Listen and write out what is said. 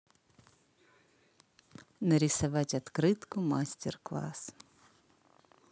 нарисовать открытку мастер класс